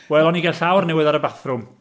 Wel, o'n i'n cael llawr newydd ar y bathroom.